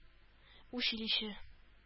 Училище